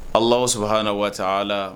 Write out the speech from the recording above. Allahou Soubhana wa ta Alaa